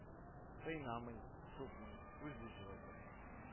Кыйнамый, сукмый, үзе җылата